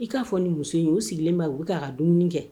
I k'a fɔ ni muso in y'u sigilen bɛ u bɛ k' dumuni kɛ